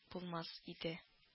Булмас иде